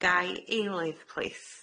Gai eilydd plîs.